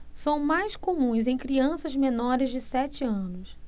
são mais comuns em crianças menores de sete anos